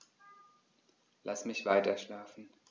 Lass mich weiterschlafen.